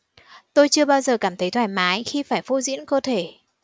tôi chưa bao giờ cảm thấy thoải mái khi phải phô diễn cơ thể